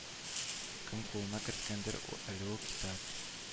Кем кулына кергәндер әле ул китап